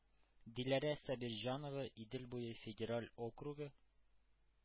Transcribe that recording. Диләрә Сабирҗанова Идел буе федераль округы